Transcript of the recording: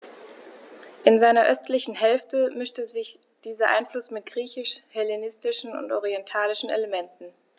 In seiner östlichen Hälfte mischte sich dieser Einfluss mit griechisch-hellenistischen und orientalischen Elementen.